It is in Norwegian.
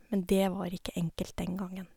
Men det var ikke enkelt den gangen.